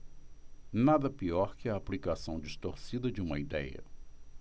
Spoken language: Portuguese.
nada pior que a aplicação distorcida de uma idéia